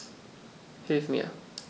Hilf mir!